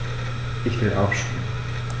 Ich will aufstehen.